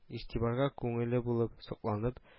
Игътибарга күңеле булып, сокланып